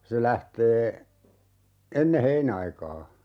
se lähtee ennen heinäaikaa